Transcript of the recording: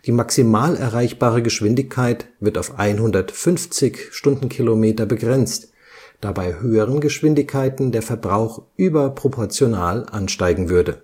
maximal erreichbare Geschwindigkeit wird auf 150 km/h begrenzt, da bei höheren Geschwindigkeiten der Verbrauch überproportional ansteigen würde